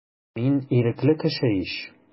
Мин ирекле кеше ич.